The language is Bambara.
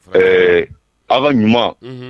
fɛrɛɛ, aw ka ɲuman, unhun